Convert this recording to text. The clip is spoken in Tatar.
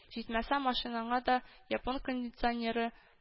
Җитмәсә, машинаңа да япон кондиционеры